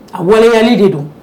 A waleyali de don